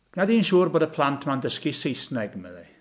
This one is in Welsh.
Gwna di'n siwr bod y plant 'ma'n dysgu Saesneg. Meddai hi.